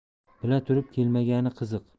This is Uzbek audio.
bila turib kelmagani qiziq